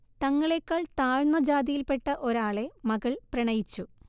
തങ്ങളേക്കാൾ താഴ്ന്ന ജാതിയിൽപ്പെട്ട ഒരാെള മകൾ പ്രണയിച്ചു